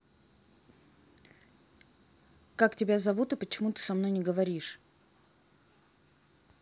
как тебя зовут и почему ты со мной не говоришь